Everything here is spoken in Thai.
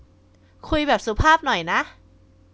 คุยแบบสุภาพหน่อยนะ